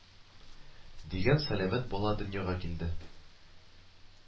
Дигән сәламәт бала дөньяга килде